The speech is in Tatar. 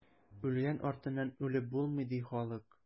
Үлгән артыннан үлеп булмый, ди халык.